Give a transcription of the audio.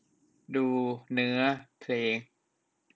ดูเนื้อเพลง